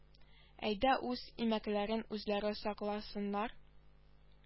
Әйдә үз имәкләрен үзләре сакласыннар